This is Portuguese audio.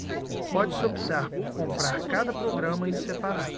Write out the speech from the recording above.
pode-se optar por comprar cada programa em separado